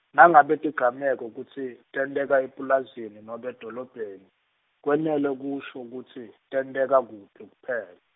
nangabe tigameko kutsi, tenteka epulazini nobe edolobheni, kwenele kusho kutsi, tenteka kuphi kuphela.